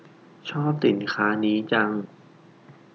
ชอบสินค้านี้จัง